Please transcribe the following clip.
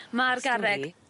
Ma'r garreg.